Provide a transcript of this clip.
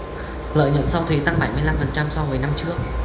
lợi nhuận sau thuế tăng bảy mươi lăm phần trăm so với năm trước